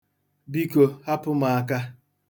Biko, hapụ m aka!